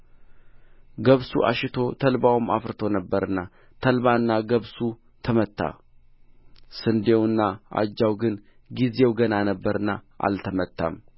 ገብሱ እሸቶ ተልባውም ኣፍርቶ ነበርና ተልባና ገብሱ ተመታ ስንዴውና አጃው ግን ጊዜው ገና ነበርና አልተመታም